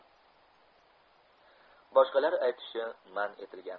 boshqalar aytishi man etilgan